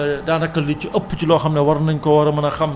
loolu defee naa ni am na solo Yakhya Sèye